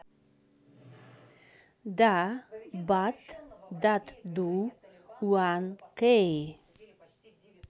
да bad daddy yankee